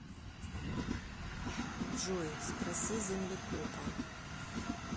джой спроси землекопа